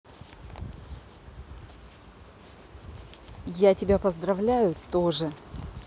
я тебя поздравляю тоже